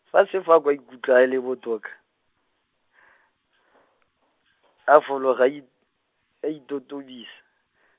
fa Sefako a ikutlwa a le botoka, a fologa a it-, a itotobisa .